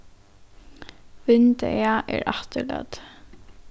vindeygað er afturlatið